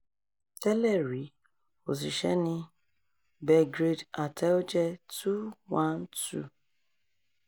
Tẹ́lẹ̀ rí, ó ṣiṣẹ́ ní Belgrade Atelje 212.